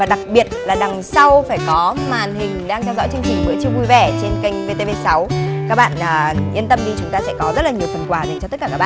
và đặc biệt là đằng sau phải có màn hình đang theo dõi chương trình bữa trưa vui vẻ trên kênh vê tê vê sáu các bạn à yên tâm đi chúng ta sẽ có rất là nhiều phần quà cho tất cả các